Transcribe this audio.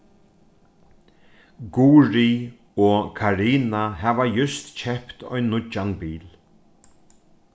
guðrið og karina hava júst keypt ein nýggjan bil